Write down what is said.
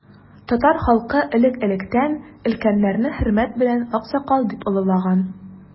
Татар халкы элек-электән өлкәннәрне хөрмәт белән аксакал дип олылаган.